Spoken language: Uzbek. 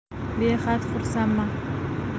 bexad xursandman